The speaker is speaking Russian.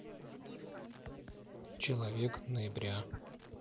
человек ноября